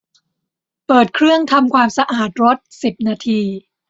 เปิดเครื่องทำความสะอาดรถสิบนาที